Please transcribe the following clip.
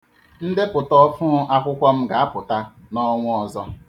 Ndepụta ọfụụ akwụkwọ m ga-apụta n'ọnwa ọzọ.